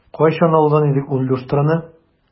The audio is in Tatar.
Кайчан алган идек ул люстраны?